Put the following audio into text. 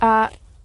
A,